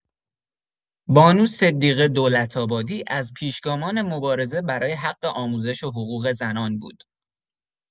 بانو صدیقه دولت‌آبادی از پیشگامان مبارزه برای حق آموزش و حقوق زنان بود.